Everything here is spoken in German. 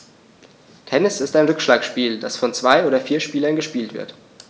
Tennis ist ein Rückschlagspiel, das von zwei oder vier Spielern gespielt wird.